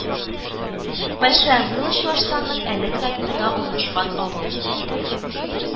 Большая Выла Чуашстанның Әлек районында урнашкан авыл